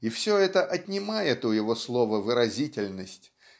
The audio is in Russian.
и все это отнимает у его слова выразительность